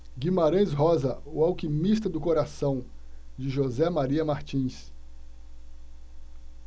guimarães rosa o alquimista do coração de josé maria martins